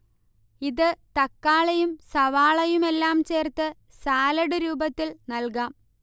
ഇത് തക്കാളിയും സവാളയുമെല്ലാം ചേർത്ത് സാലഡ് രൂപത്തിൽ നൽകാം